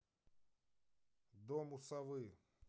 дом у совы